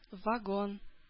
Вагон